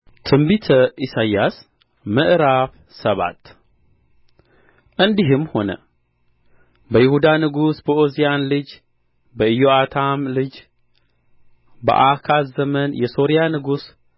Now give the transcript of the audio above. ትንቢተ ኢሳይያስ ምዕራፍ ሰባት እንዲህም ሆነ በይሁዳ ንጉሥ በዖዝያን ልጅ በኢዮአታም ልጅ በአካዝ ዘመን የሶርያ ንጉሥ